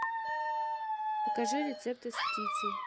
покажи рецепты с птицей